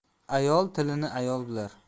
ayol tilini ayol bilar